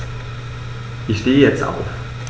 Ich stehe jetzt auf.